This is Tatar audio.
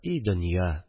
И донъя